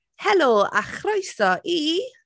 Helo a chroeso i...